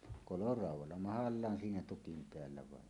koloraudalla mahallaan siinä tukin päällä vain